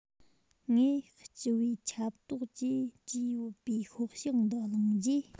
ངས སྤྱི པའི ཆབ ཏོག ཅེས བྲིས ཡོད པའི ཤོག བྱང འདི བླངས རྗེས